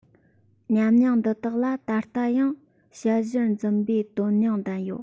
ཉམས མྱོང འདི དག ལ ད ལྟ ཡང དཔྱད གཞིར འཛིན པའི དོན སྙིང ལྡན ཡོད